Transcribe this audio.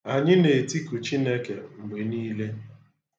Anyị na-etiku Chineke mgbe niile.